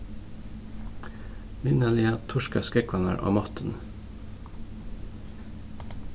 vinarliga turka skógvarnar á mottuni